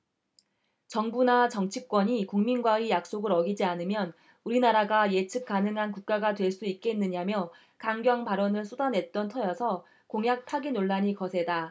정부나 정치권이 국민과의 약속을 어기지 않으면 우리나라가 예측 가능한 국가가 될 수 있겠느냐며 강경 발언을 쏟아냈던 터여서 공약 파기 논란이 거세다